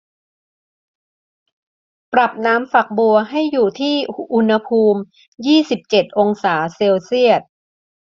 ปรับน้ำฝักบัวให้อยู่ที่อุณหภูมิยี่สิบเจ็ดองศาเซลเซียส